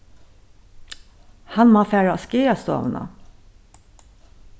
hann má fara á skaðastovuna